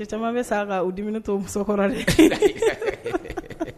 Cɛ caman bɛ sa ka u dum to musokɔrɔbakɔrɔ de